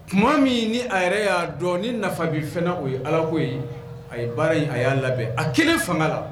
Tuma min ni a yɛrɛ y'a dɔn ni nafa bɛ fɛn o ye ala ko ye a ye baara ye a y'a labɛn a kelen fanga la